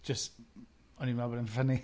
Jyst, o'n i'n meddwl bod e'n funny.